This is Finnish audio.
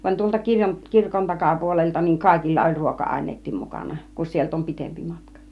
vaan tuolta - kirkon takapuolelta niin kaikilla oli - ruoka-aineetkin mukana kun sieltä on pitempi matka